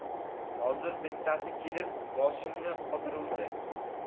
hozir bittasi kelib boshimni qotiruvdi